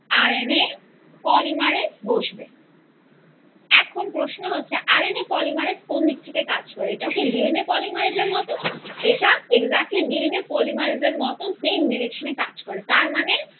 R N A polymerase বসবে এখন প্রশ্ন হচ্ছে আর এন এ কোনদিক থেকে কাজ করে এটাও কি ডি এন এ পলিমারেজের মত এটা এগজ্যাক্টলি ডি এন এ পলিমারেজের মত সেইম ডিরেকশনে কাজ করে তার মানে